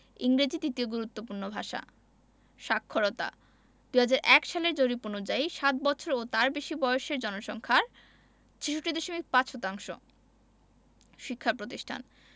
ইংরেজি দ্বিতীয় গুরুত্বপূর্ণ ভাষা সাক্ষরতাঃ ২০০১ সালের জরিপ অনুযায়ী সাত বৎসর ও তার বেশি বয়সের জনসংখ্যার ৬৫.৫ শতাংশ শিক্ষাপ্রতিষ্ঠান